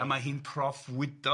...a mae hi'n proffwydo.